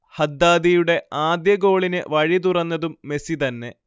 ഹദ്ദാദിയുടെ ആദ്യ ഗോളിന് വഴി തുറന്നതും മെസ്സി തന്നെ